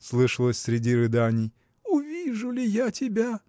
– слышалось среди рыданий, – увижу ли я тебя?.